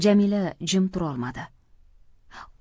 jamila jim turolmadi